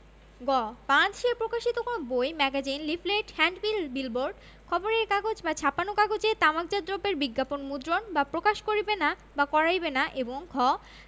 গ বাংলাদেশে প্রকাশিত কোন বই ম্যাগাজিন লিফলেট হ্যান্ডবিল বিলবোর্ড খবরের কাগজ বা ছাপানো কাগজে তামাকজাত দ্রব্যের বিজ্ঞাপন মুদ্রণ বা প্রকাশ করিবে না বা করাইবে না এবং ঘ